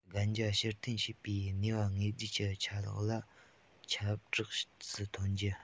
གན རྒྱ ཕྱིར འཐེན བྱེད པའི ནུས པ དངོས རྫས ཀྱི ཆ ལག ལ ཆབས སྦྲགས སུ ཐོན རྒྱུ